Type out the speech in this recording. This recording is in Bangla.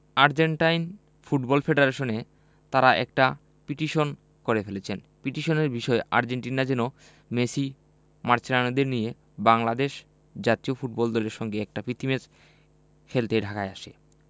আর্জেন্টাইন ফুটবল ফেডারেশনে তারা একটা পিটিশনই করে ফেলেছে পিটিশনটির বিষয় আর্জেন্টিনা যেন মেসি মাচেরানোদের নিয়ে বাংলাদেশ জাতীয় ফুটবল দলের সঙ্গে একটা প্রীতি ম্যাচ খেলতে ঢাকায় আসে